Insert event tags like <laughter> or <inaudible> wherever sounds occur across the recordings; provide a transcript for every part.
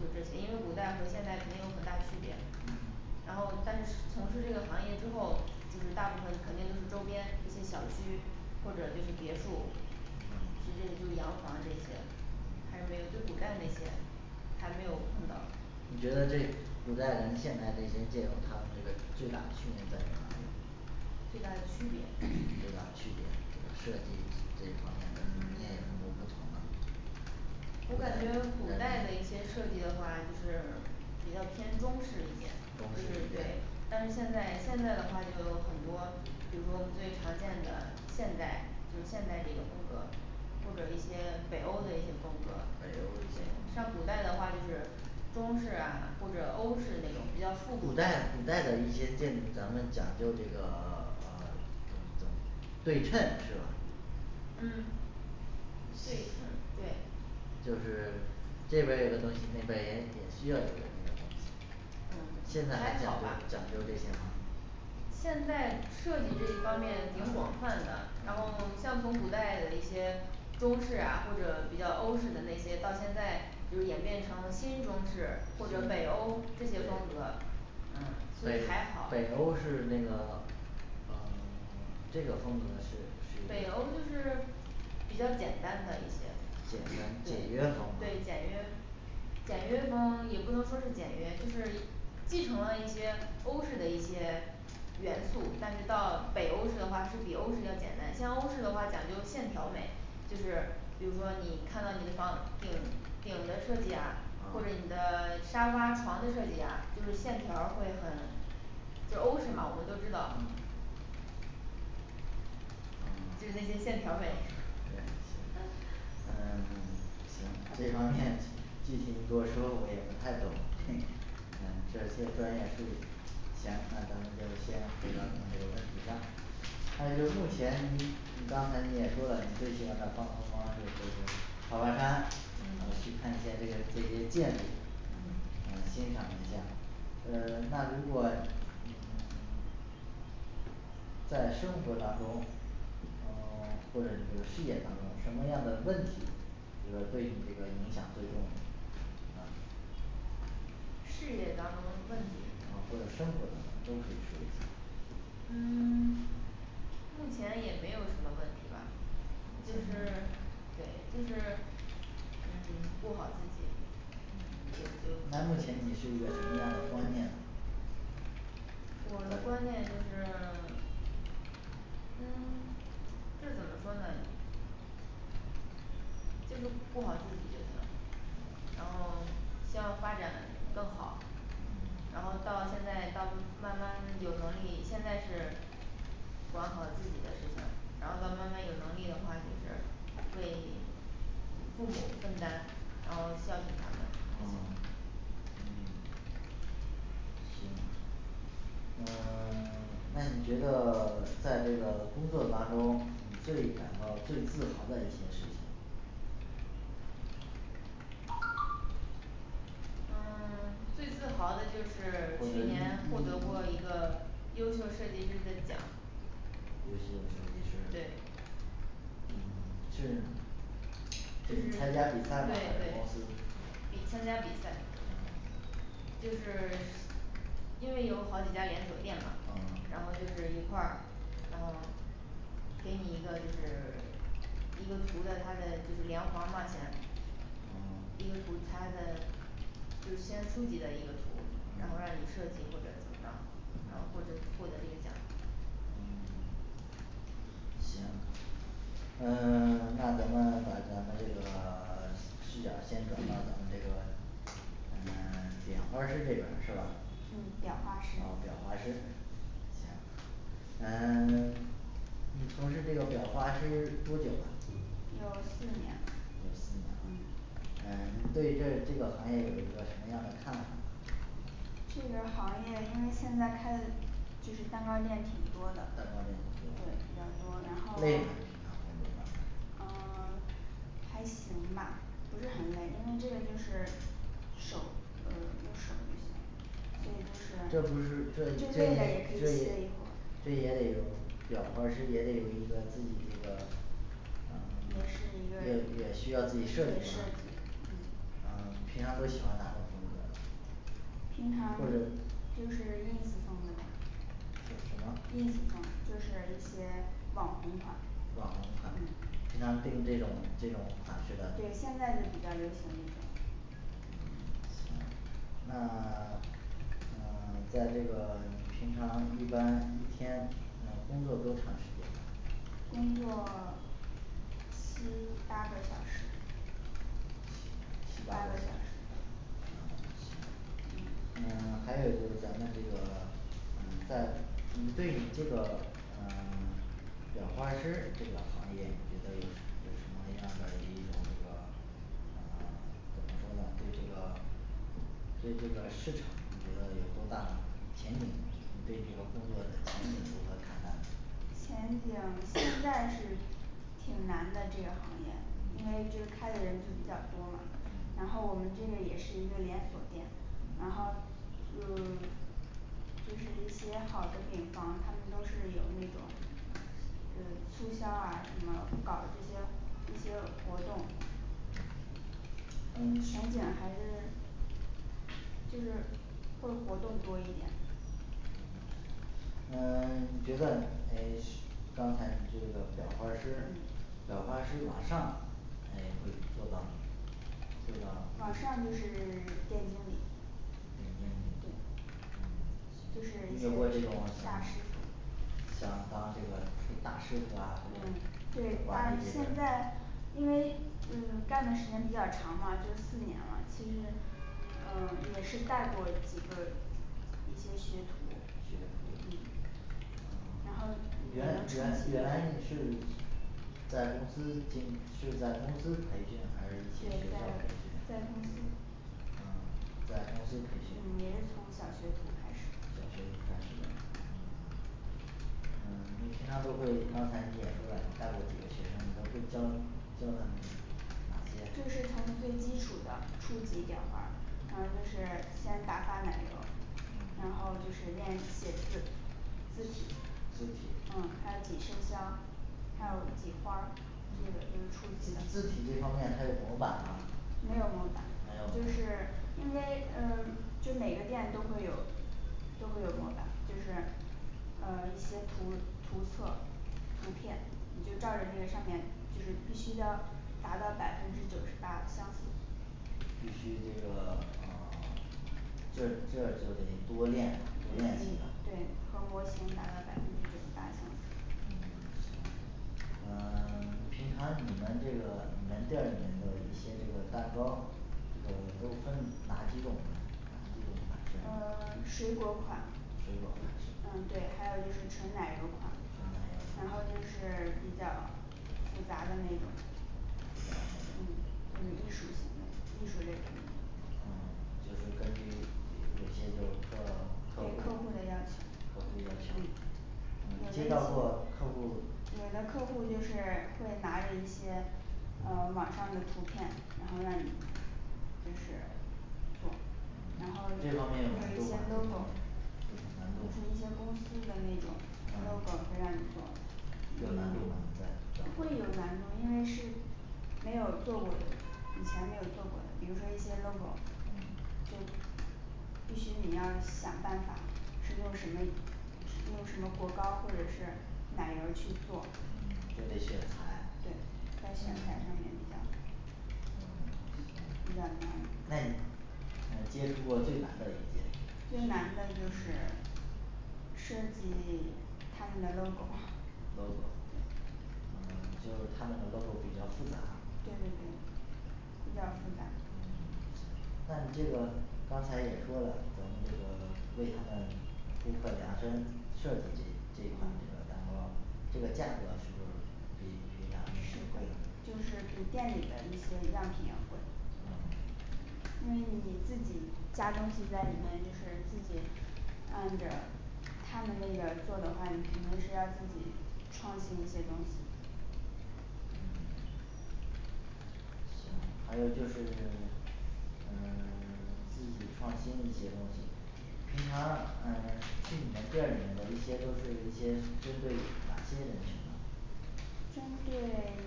就这些因为古代和现代肯定有很大区别嗯，然后但是从事这个行业之后，就是大部分肯定就是周边这些小区或者就是别墅嗯其次就是洋房这些嗯还没有就古代那些还没有碰到你觉得这古代人现代这些建它们那个巨大的区别在于哪里最大的区别最大的区别设计这一方面有什么不同呢我感觉古代的一些设计的话就是比较偏中式一点，就是中式对，但是现在现在的话就有很多，比如说我们最常见的现代就是现代这个风格或者是一些北欧的风格，北欧一些风格像古代的话就是中式啊或者欧式那种比较复古古的代古代的一些建筑，咱们讲究这个 <silence> 呃对称是吧嗯对称对就是这边儿有个东西，那边儿也有需要一个这个东西现在还还讲好究吧讲究这些吗现在设计这一方面挺广啊泛的，然后嗯像从古代的一些中式啊或者比较欧式的那些，到现在比如演变成新中式或者嗯北欧这些风对格嗯那还好北北欧是那个啊 <silence> 这个风格是北欧就是比较简简单单的一些对简约风啊对简约简约风也不能说是简约就是继承了一些欧式的一些元素，但是到北欧式的话是比欧式要简单，像欧式的话讲究线条儿美就是比如说你看到你的房顶顶的设计啊啊或者你的沙发床的设计啊，就是线条儿会很就是欧式嘛我们都知道嗯啊就是那些线条儿美嗯对嗯 <silence> 行它这方面具体你给我说我也不太懂 <noise> 嗯这是专业术语嗯嗯呃 <silence> 那如果嗯 <silence> 在生活当中哦 <silence> 或者就是事业当中什么样的问题这个对你这个影响最重要嗯事业当中问题啊或者生活当中都可以说一下嗯 <silence> 目前也没有什么问题吧，就目是前对就是嗯 <silence> 顾好自己嗯就就那目前你是一个什么样的观念呢我的观念就是 <silence> 嗯 <silence> 这怎么说呢就是顾好自己就行嗯然后希望发展更好嗯然后到现在到慢慢有能力，现在是管好自己的事情，然后到慢慢有能力的话，就是为父母分担，然后孝敬他们啊嗯行嗯 <silence> 那你觉得在这个工作当中最感到最自豪的一些事情嗯 <silence> 最自豪的就或是者去一年获得过一一一个优秀设计师的奖优秀设计师对嗯 <silence> 事呢就是参加比赛嘛然对后就对得参加比赛啊就是因为有好几家连锁店嘛哦，然后就是一块儿然后给你一个就是一个图的它的就是量房嘛先啊一个图它的就是先初级的一个图然后让你啊设计或者怎么着然后获得获得这个奖嗯 <silence> 行嗯 <silence> 那咱们把咱们这个 <silence> 视角儿先转到咱们这个嗯 <silence> 点花儿师这边儿是吧嗯裱花师哦裱花师行嗯 <silence> 你从事这个裱花师多久了有四年了有四年了嗯呃你对这这个行业有一个什么样的看法呢这个行业因为现在开的就是蛋糕店挺多的蛋，糕店挺对多比较多，然累吗平常工作后得嗯 <silence> 还行吧，不是很累，因为这个就是手呃用手就行了这这个就不是是就这是累了也可这以歇一这会儿这也得有裱花儿师也得有一个自己这个啊也也是一个也需要自己也设设计是计吧嗯呃平常都喜欢哪种风格平常或就者是就是ins风的是什么 ins风就是一些网红款网红款嗯经常订这种这种款式的，对，现在是比较流行这个嗯 <silence> 行那 <silence> 呃在这个平常一般一天呃工作多长时间工作 <silence> 嗯八个小时行七八八个个小小时时嗯行嗯还有就是咱们这个嗯在你对你这个呃 <silence> 裱花儿师这个行业你觉得有有什么样的一个啊 <silence> 怎么说的对这个对这个市场你觉得有多大前景，对这个工作的前景如何看待呢前景现在是挺难的这个行业，因为就是嗯开的人就比较多了。嗯然后我们这个也是一个连锁店然后就 <silence> 就是一些好的饼房，他们都是有那种就是促销啊什么搞这些一些活动嗯前景儿还是就是做活动多一点那 <silence> 你觉得哪刚才你这个裱花儿师嗯裱花儿师往上诶会做到做到往上就是 <silence> 店经理店经理嗯行你有过这种对就是面师大师傅相当这个大师是吧嗯对但现在因为嗯干的时间比较长嘛，就是四年了，其实呃也是带过几个一些学徒学徒然后哦嗯原原原来你是在公司经是在公司培训还是一些对学校在培训呐？在公司嗯在公司培训也是从小学徒开始的小学徒开始的嗯呃你平常都会刚才你也说了带过几个学生都会教教他们哪些就是从最基础的初级裱花儿，然后就是先打发奶油嗯，然后就是练写字字字体体，还有挤生香还有挤花儿这个就是初级的字字体这方面他有模板吗？没有模板没，就有模是板因为呃就每个店都会有都会有模板就是呃一些图图册图片你就照着那个上面就是必须要达到百分之九十八相似必须这个啊 <silence> 这这就得多练了多练习对了，对和模型达到百分之九十八相似嗯行呃 <silence> 平常你们这个门店儿里面的一些这个蛋糕呃都分哪几种呢？哪几种款式呢，呃 <silence> 水果款水果款嗯对，还有就是纯奶油款纯奶油款，然后就是比较复杂的那种复杂的嗯艺术型的艺术类的啊就是根据有些就客根客据客户户的要求客户要求嗯接到过客户儿有的客户就是会拿着一些呃网上的图片然后让你就是做然后这一这方面有难度些吗都懂有难度吗一些公司的那种嗯 logo会让你做有难度吗你在会有难度因为是没有做过的。以前没有做过的，比如说一些logo 嗯就必须你要想办法是用什么，是用什么果膏或者是奶油儿去做嗯对这得在选选材材上面比较嗯 <silence> 那你呃接触过最难的一件是最难的就是设计他们的logo <noise> logo 呃就他们的logo比较复杂，对对对比较复杂嗯那你这个刚才也说了，咱们这个为他们顾客量身设计这一这一款这个蛋糕这个价格是不是比平常的要是贵啊就是比店里的一些样品要贵因为你自己加东西在里面，就是自己按着他们那个做的话，你肯定是要自己创新一些东西嗯行还有就是 <silence> 嗯 <silence> 自己创新一些东西平常嗯去你们店儿里的都是一些针对哪些人群呢针对 <silence>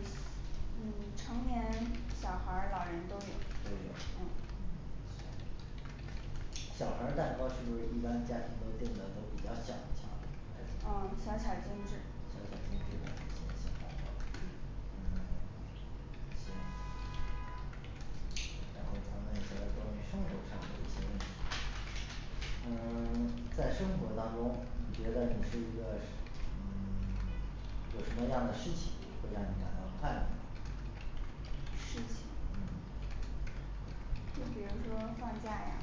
嗯成年人小孩儿老人都有都有嗯小孩儿蛋糕是不是一般家庭都定的都比较小巧一些哦小巧精致嗯小巧精致的蛋糕嗯行咱们聊聊关于生活上的一些问题嗯 <silence> 在生活当中，你觉得你是一个嗯 <silence> 有什么样的事情会让你感到快乐？事情嗯就比如说放假呀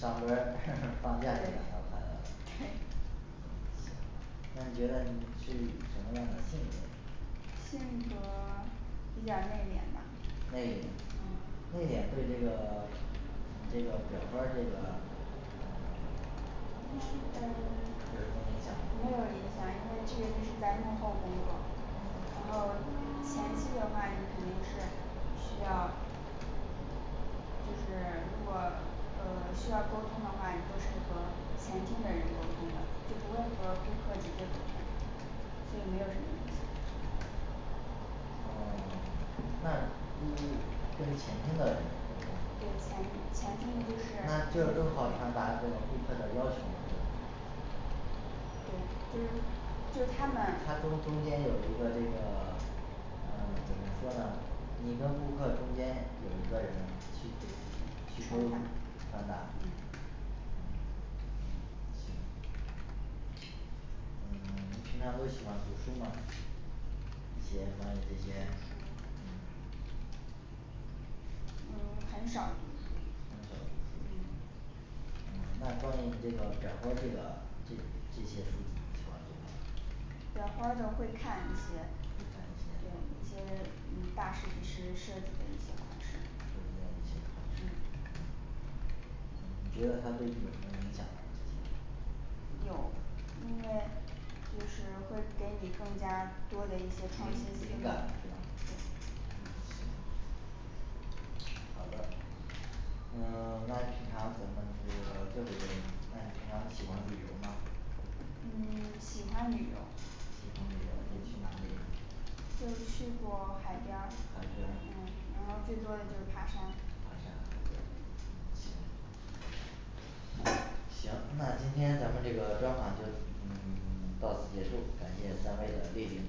上班儿 <noise> 放假就感到快乐了 <noise> 对那你觉得你是什么样的性格性格儿比较内敛吧内敛内嗯敛对这个这个裱花儿这个嗯有什么影响没？有影响，因为这个就是在幕后工作然后前期的话你肯定是需要就是如果呃需要沟通的话，你都是和前厅的人沟通的，就不会和顾客直接沟通所以没有什么影响哦 <silence> 那如跟前厅的的人沟对通前前厅那就是这更好传达这个顾客的要求吗对就是就他们他中中间有一个这个呃怎么说呢？你跟顾客中间有一个人去给提供传达嗯嗯行行呃你平常都喜欢读书吗一些关于这读书些嗯嗯 <silence> 很少很读少书读书嗯嗯那教你这个裱花儿这个这这些书你会喜欢读吗裱花儿的会看一些会看一些对一些嗯大设计师设计的一些款式会看一些设计的一些款式你觉得它对你有什么影响吗那些书有因为就是会给你更加多的一些创新灵灵性的感对是吧嗯行好的呃那我们这个最后一个问题那你平常喜欢旅游吗嗯 <silence> 喜欢旅游喜欢旅游那嗯去哪里呢就去过海边儿海嗯边儿，然后最多也就是爬山爬山海边儿嗯行行，那今天咱们这个专访就嗯 <silence> 到此结束，感谢三位的莅临。